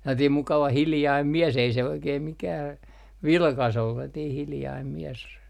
sellainen mukava hiljainen mies ei se oikein mikään vilkas ollut sellainen hiljainen mies